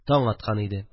Таң аткан иде